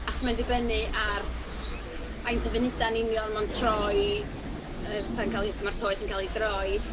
Achos mae'n dibynnu ar faint o funudau'n union mae'n troi, yy, fatha yn cael ei... mae'r toes yn cael ei droi.